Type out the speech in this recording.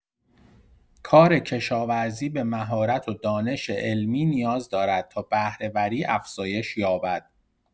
کار کشاورزی به مهارت و دانش علمی نیاز دارد تا بهره‌وری افزایش یابد.